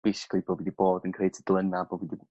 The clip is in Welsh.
basically bo' fi 'di bod yn creu tudlena bo' fi